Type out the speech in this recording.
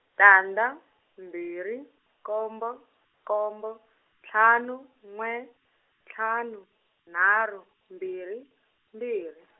tandza mbirhi nkombo nkombo ntlhanu n'we ntlhanu nharhu mbirhi mbirhi.